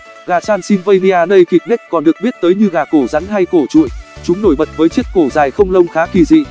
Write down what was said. gà transylvania naked neck còn được biết tới như gà cổ rắn hay cổ trụi chúng nổi bật với chiếc cổ dài không lông khá kì dị